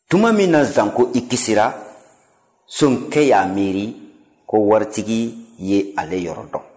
tuma min na zan ko i kisira sonkɛ y'a miiri ko waritigi ye ale yɔrɔ dɔn